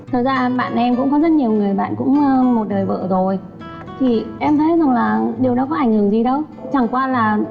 thực ra bạn em có rất nhiều người bạn cũng một đời vợ rồi thì em thấy rằng là điều đó có ảnh hưởng gì đâu chẳng qua là